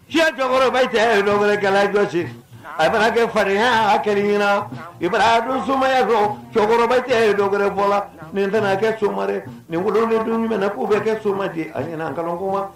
Cɛ dɔwɛrɛ gajɔsi a bɛna kɛ farinya a kɛ ɲɛnabara somaya cɛkɔrɔba cɛ ye dɔw wɛrɛ bɔ la nin tɛna a kɛ somare ninkolon ni dun jumɛn k'u bɛ kɛ soma a nkalonko ma